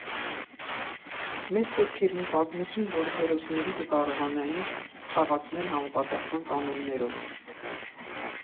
Մեզ պետք էր մի պատմություն, որի հերոսներին կկարողանայինք «խաղացնել» համապատասխան կանոններով։